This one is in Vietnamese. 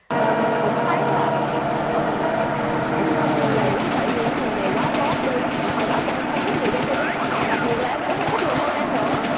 rồi mình cũng thấy là ừ cũng nên suy nghĩ tại vì cái người này quá tốt đi mà hồi đó giờ em không thích người trong sô bít đặc biệt là em cũng không thích lùn hơn em nữa